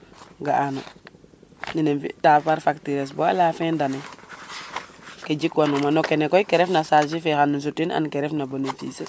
ga ano nene fi ta facture es bo à la fin d année ke jik wona no kene koy ke ref na charge fe xano sutin an ke ref na benefice es